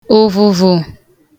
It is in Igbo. ụ̀vụ̀vụ̀